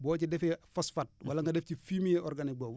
boo ci defee phosphate wala nga def ci fumier organique boobu